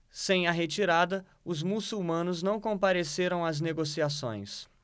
sem a retirada os muçulmanos não compareceram às negociações